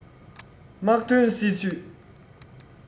དམག དོན སྲིད ཇུས